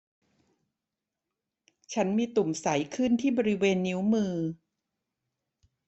ฉันมีตุ่มใสขึ้นที่บริเวณนิ้วมือ